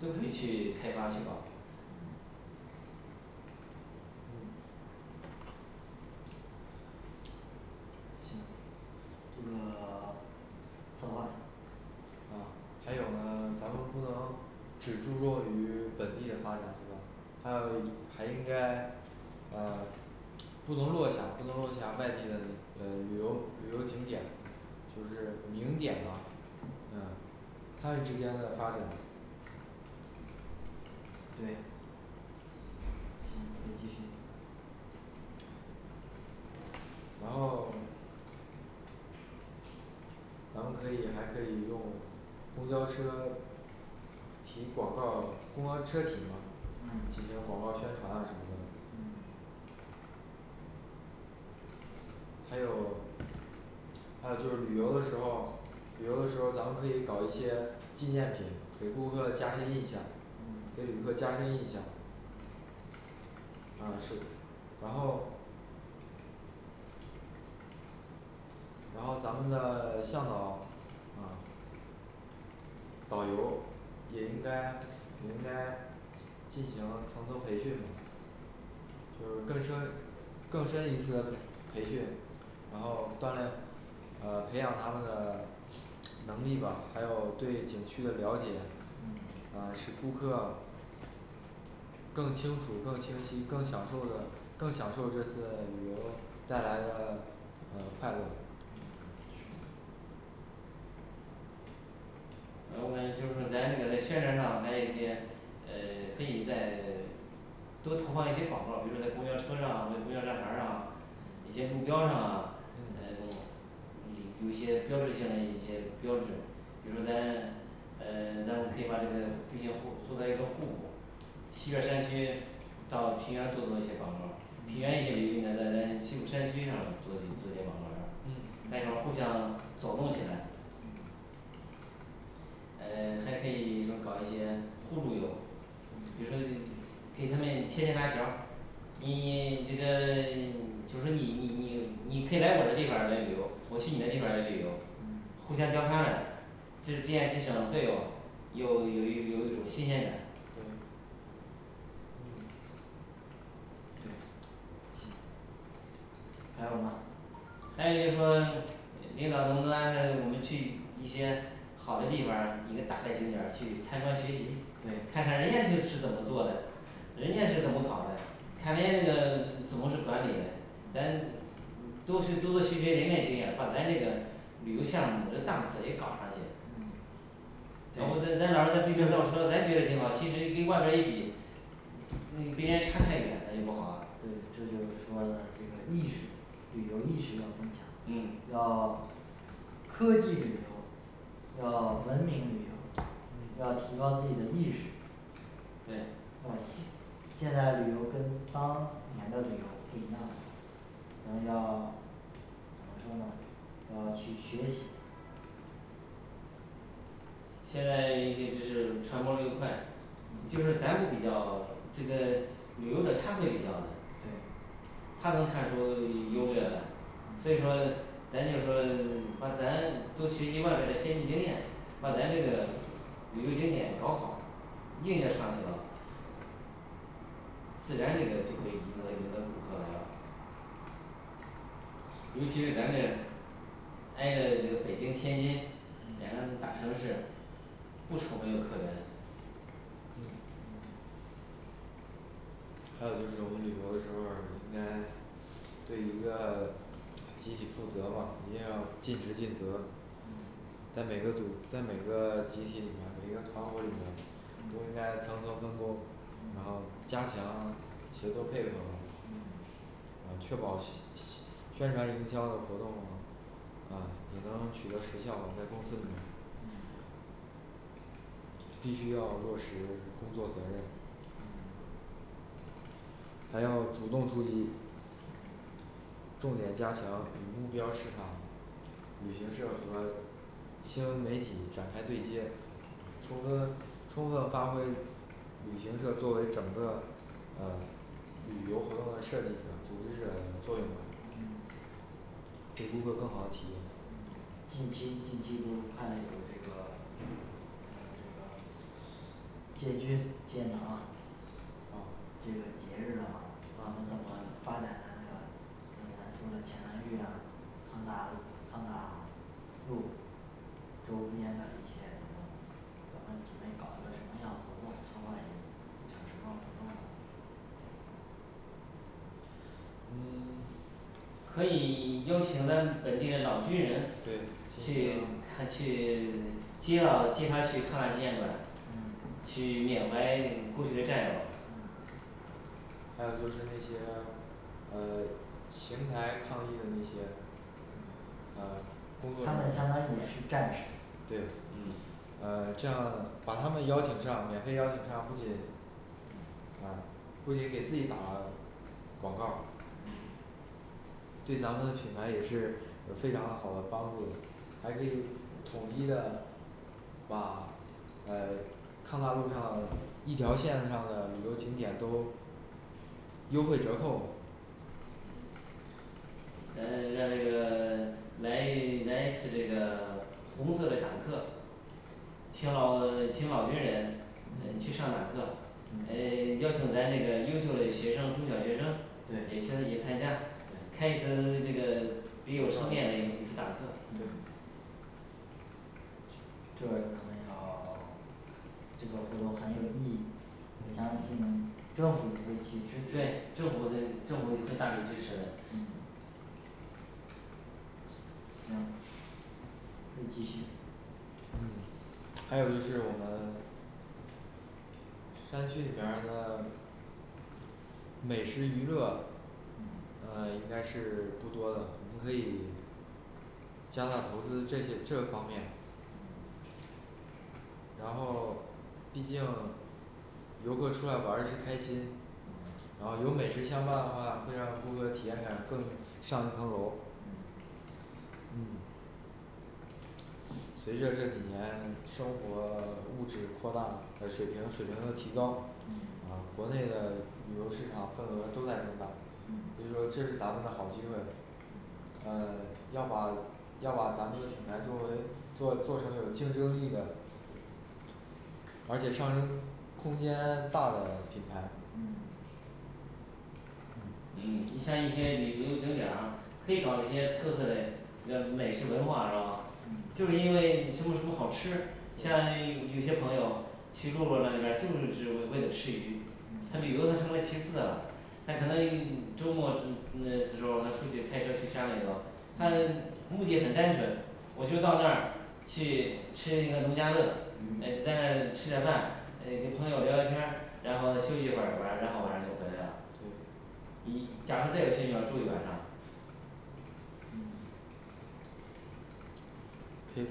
都可以去开发去搞嗯嗯行这个 策划啊还有呢咱们不能只注重于本地的发展是吧？还要以还应该啊不能落下不能落下外地的呃旅游旅游景点。就是名点吧嗯它之间的发展。对行可以继续然后咱们可以还可以用公交车提广告儿公交车体嘛？嗯进行广告儿宣传啊什么的嗯还有还有就是旅游的时候，旅游的时候儿咱们可以搞一些纪念品，给顾客加深印象，嗯给旅客加深印象啊是。然后然后咱们的 向导啊导游也应该也应该进行层层培训吧就是更深更深一次的培培训，然后锻炼呃培养他们的能力吧，还有对景区的了解，嗯呃使顾客更清楚、更清晰、更享受的，更享受这次旅游带来的呃快乐。嗯去啊我感觉就是说咱这个在宣传上还有这些呃可以再 多投放一些广告儿，比如说在公交车上或者公交站牌儿上一嗯些路标上啊嗯 一有些标志性嘞一些标志。 比如咱呃咱们可以把这个毕竟互作为一个互补西边儿山区到平原做多一些广告儿，平嗯原一些咱在咱西部山区上做点做点广告儿是吧，嗯咱要互相走动起来哎还可以就搞一些互助游，比很如说给他们牵线搭桥儿，你 这个 就说你你你你可以来我这地方儿来旅游，我去你的地方儿来旅游，嗯互相交叉嘞就是这样既省费用又有一有一种新鲜感对嗯对行还有吗还有就是说领导能不能安排我们去一些好的地方儿，一个大嘞景点儿去参观学习，搞上去对看看人家就是怎么做嘞，人家是怎么搞嘞，看人家那个怎么是管理嘞，咱嗯嗯多学多多学学人家经验，把咱这个旅游项目的档次也搞上去嗯要不对咱咱老是在闭车造车，咱觉得挺好，其实跟外边儿一比那跟人家差太远了也不好，对这就是说的这个意识，旅游意识要增强，嗯要 科技旅游，要文明旅游，要提高自己的意识对啊西 现在旅游跟当年的旅游不一样了，咱们要怎么说呢，要去学习现在 这传播的又快，就是咱不比较这个旅游者他会比较的对他能看出优劣来，嗯所以说咱就说 把咱多学习外边儿的先进经验，把咱这个旅游景点搞好，硬件儿上去了自然这个就可以赢得有的顾客来玩儿尤其是咱这个挨着这个北京天津嗯两个大城市不愁没有客源嗯嗯还有就是我们旅游的时候儿应该对一个集体负责吧，一定要尽职尽责。嗯在每个组在每个集体里面，每个房屋里面都应嗯该层层分工，然嗯后加强协作配合嘛嗯呃确保西 西 宣传营销的活动啊啊也能取得实效吧，在公司里面嗯必须要落实工作责任嗯还要主动出击重点加强与目标儿市场，旅行社和新闻媒体展开对接，充分充分发挥旅行社作为整个呃旅游活动的设计者组织者的作用吧嗯给顾客更好的体验嗯近期近期不是快那个那个呃这个 建军建党这个节日的话，那咱怎么啊发展咱这个。刚才说的前南峪啊抗大路抗大路周边的一些怎么怎么，咱们准备搞一个什么样活动策划有什什么活动啊嗯 可以邀请咱本地的老军人对去那个看去接到接他去抗大建馆，嗯去缅怀故去的战友嗯还有就是那些呃邢台抗疫的那些呃工作他人们员，相当于也是战士对嗯，呃这样把他们邀请上免费邀请上，不仅啊不仅给自己打了广告儿嗯对咱们的品牌也是有非常好的帮助的，还可以统一的把呃抗大路上一条线上的旅游景点都优惠折扣咱来到这个 来一来一次这个红色嘞党课请老 请老军人嗯去上党课，呃嗯邀请咱这个优秀嘞学生中小学生对也听也参加，对开一次这个别有生面嘞一次党课嗯对这儿咱们要 这个活动很有意义。我相信政府也会去支持，对政府的政府也会大力支持的。嗯行可以继续嗯还有就是我们山区里面儿的美食娱乐呃嗯应该是不多的，我们可以加大投资这些这方面嗯然后毕竟游客出来玩儿是开心，然后有美食相伴的话，会让顾客体验感更上一层楼嗯嗯嗯随着这几年生活物质扩大呃水平水平的提高，嗯啊国内的旅游市场份额都在增长所以嗯说这是咱们的好机会嗯。呃 要把要把咱们的品牌作为做做成有竞争力的而且上升空间 大的品牌嗯嗯像一些旅游景点儿啊可以搞一些特色嘞比如美食文化是吧？嗯就因为什么什么好吃，像有些朋友去路罗那边儿就是只为为了吃鱼，嗯他旅游他成为其次的了，他可能 周末的 时候儿他出去开车去山里头，他目的很单纯，我就到那儿去吃一个农家乐，嗯诶再吃点儿饭，诶跟朋友聊聊天儿，然后休息一会儿，晚上然后晚上就回来了对一假如这个是想住一晚上嗯可以